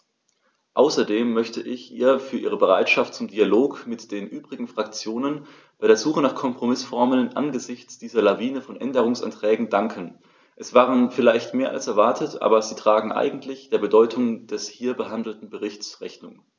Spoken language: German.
Außerdem möchte ich ihr für ihre Bereitschaft zum Dialog mit den übrigen Fraktionen bei der Suche nach Kompromißformeln angesichts dieser Lawine von Änderungsanträgen danken; es waren vielleicht mehr als erwartet, aber sie tragen eigentlich der Bedeutung des hier behandelten Berichts Rechnung.